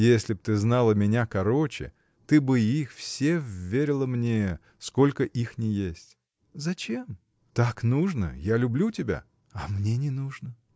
— Если б ты знала меня короче — ты бы их все вверила мне, сколько их ни есть. — Зачем? — Так нужно — я люблю тебя. — А мне не нужно.